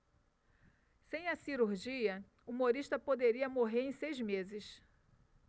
sem a cirurgia humorista poderia morrer em seis meses